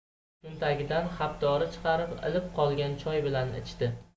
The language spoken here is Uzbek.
cho'ntagidan xapdori chiqarib ilib qolgan choy bilan ichdi